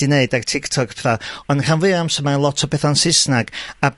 'di neud ar TikTok t'bod? Ond rhan fwya o amser mae lot o petha'n Sysnag a